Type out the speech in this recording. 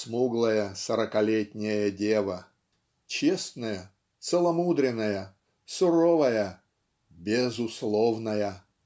"смуглая сорокалетняя дева" честная целомудренная суровая "безусловная"